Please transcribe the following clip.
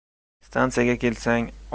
stansiyaga kelsang ot